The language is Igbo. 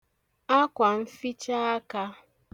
akwànfichaakā